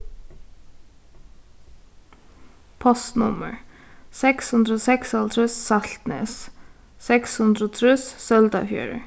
postnummur seks hundrað og seksoghálvtrýss saltnes seks hundrað og trýss søldarfjørður